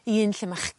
i un lle ma'ch